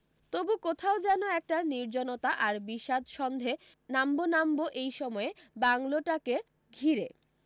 তবু কোথাও যেন একটা নির্জনতা আর বিষাদ সন্ধে নামব নামব এই সময়ে বাংলোটাকে ঘিরে